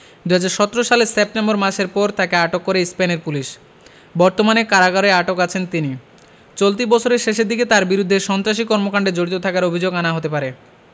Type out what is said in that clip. ২০১৭ সালের সেপ্টেম্বর মাসের পর তাকে আটক করে স্পেনের পুলিশ বর্তমানে কারাগারে আটক আছেন তিনি চলতি বছরের শেষের দিকে তাঁর বিরুদ্ধে সন্ত্রাসী কর্মকাণ্ডে জড়িত থাকার অভিযোগ আনা হতে পারে